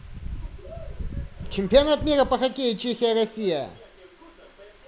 чемпионат мира по хоккею чехия россия